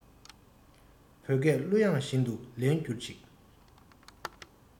བོད སྐད གླུ དབྱངས བཞིན དུ ལེན འགྱུར ཅིག